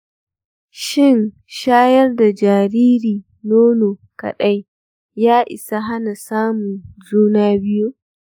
shin shayar da jariri nono kaɗai ya isa hana samun juna biyu?